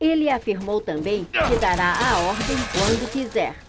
ele afirmou também que dará a ordem quando quiser